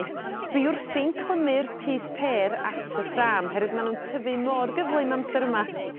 Dwi wrthi'n clymu'r pys pêr at y ffrâm herwydd ma' nw'n tyfu mor gyflym amser yma